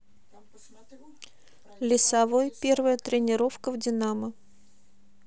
лесовой первая тренировка в динамо